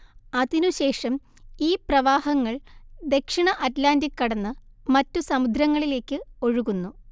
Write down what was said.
അതിനുശേഷം ഈ പ്രവാഹങ്ങൾ ദക്ഷിണ അറ്റ്‌ലാന്റിക് കടന്ന് മറ്റു സമുദ്രങ്ങളിലേക്ക് ഒഴുകുന്നു